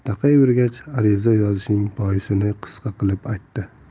taqayvergach ariza yozishining boisini qisqa qilib aytdi